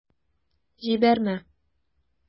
Җибәрмә...